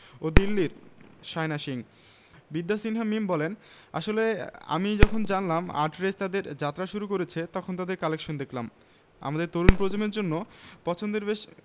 ও দিল্লির শায়না সিং বিদ্যা সিনহা মিম বলেন আসলে আমি যখন জানলাম আর্টরেস তাদের যাত্রা শুরু করেছে তখন তাদের কালেকশান দেখলাম আমাদের তরুণ প্রজন্মের জন্য পছন্দের বেশ